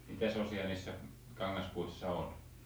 mitäs osia niissä kangaspuissa on